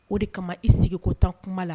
O de kama i sigi ko tan kuma la